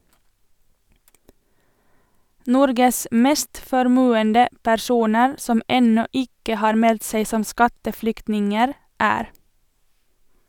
Norges mest formuende personer, som ennå ikke har meldt seg som skatteflyktninger, er...